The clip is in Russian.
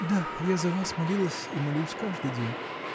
-- Да, я за вас молилась и молюсь каждый день.